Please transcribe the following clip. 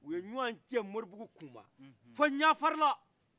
u ye ɲɔgɔn cɛ moribugu kuma fo ɲafarila